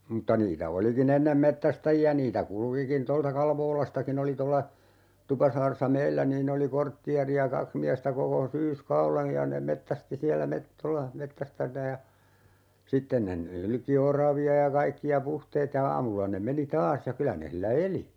mutta niitä olikin ennen metsästäjiä niitä kulkikin tuolta Kalvolastakin oli tuolla Tupasaaressa meillä niin oli kortteeria kaksi miestä koko syyskauden ja ne metsästi siellä - tuolla - ja sitten ne nylki oravia ja kaikkia puhteet ja aamulla ne meni taas ja kyllä ne sillä eli